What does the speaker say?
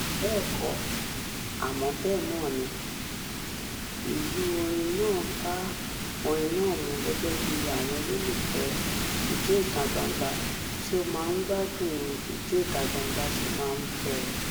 Bẹ́ẹ̀ kọ́, àmọ́ bẹ́ẹ̀ náà ni, ìlù orin náà ba orin náà mú gẹ́gẹ́ bí àwọn olólùfẹ́ẹ Ijó ìta-gbangba tí ó máa ń gbádùn un Ijó ìta-gbangba ṣe máa ń fẹ́ ẹ.